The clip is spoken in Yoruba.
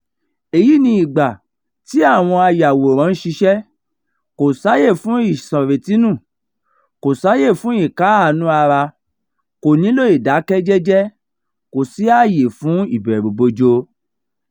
Èyí ni ìgbà tí àwọn ayàwòrán ń ṣiṣẹ́. Kò sáyé fún ìsọ̀rètínù, kò sáyé fún ìkáàánú-ara, kò nílò ìdákẹ́ jẹ́jẹ́, kò sí àyè fún ìbẹ̀rù bojo.